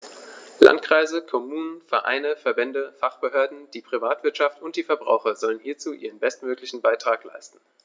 Landkreise, Kommunen, Vereine, Verbände, Fachbehörden, die Privatwirtschaft und die Verbraucher sollen hierzu ihren bestmöglichen Beitrag leisten.